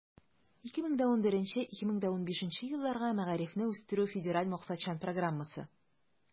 2011 - 2015 елларга мәгарифне үстерү федераль максатчан программасы.